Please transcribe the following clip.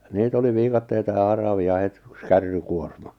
niitä oli viikatteita ja haravia heti yksi kärrykuorma